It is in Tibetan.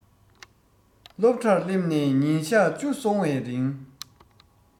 སློབ གྲྭར སླེབས ནས ཉིན གཞག བཅུ སོང བའི རིང